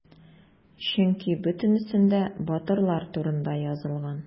Чөнки бөтенесендә батырлар турында язылган.